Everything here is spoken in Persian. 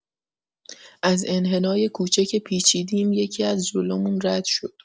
از انحنای کوچه که پیچیدیم یکی‌از جلومون رد شد.